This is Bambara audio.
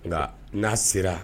Nka n'a sera